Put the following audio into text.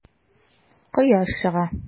Кояш чыга.